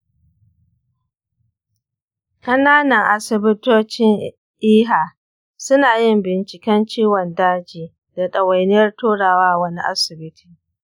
ƙananan asibitocin eha su na yin binciken ciwon daji da ɗawainiyar turawa wani asibiti.